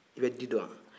i bɛ di dɔn wa